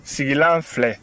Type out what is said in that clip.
sigilan filɛ